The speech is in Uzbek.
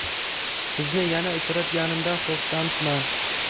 sizni yana uchratganimdan xursandman